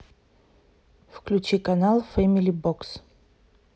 включи канал фэмили бокс